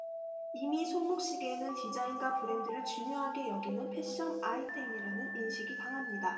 이미 손목시계는 디자인과 브랜드를 중요하게 여기는 패션 아이템이라는 인식이 강합니다